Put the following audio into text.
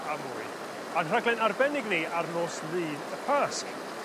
...a mwy. A'n rhaglen arbennig ni ar nos Lun y Pasg.